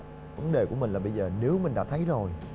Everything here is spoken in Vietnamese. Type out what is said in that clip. đề của mình là bây giờ nếu mình đã thấy rồi